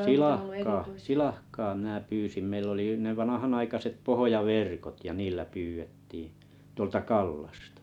silakkaa silakkaa minä pyysin meillä oli - ne vanhanaikaiset pohjaverkot ja niillä pyydettiin tuolta Kallasta